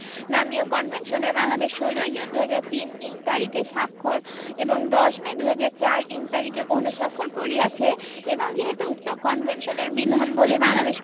নামীয় কনভেনশনে বাংলাদেশ ১৬ জুন ২০০৩ইং তারিখে স্বাক্ষর এবং ১০ মে ২০০৪ইং তারিখে অনুস্বাক্ষর করিয়অছে এবং যেহেতু উক্ত কনভেনশনের বিধানাবলী বাংলাদেশে